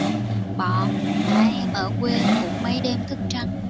bọ mạ em ở quê cũng mấy đêm thức trắng